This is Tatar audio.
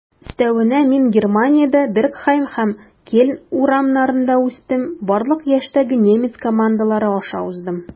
Өстәвенә, мин Германиядә, Бергхайм һәм Кельн урамнарында үстем, барлык яшьтәге немец командалары аша уздым.